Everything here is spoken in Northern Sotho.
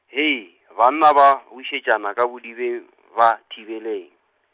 Hei, banna ba, wišetšana ka bodibeng , ba thibeleng.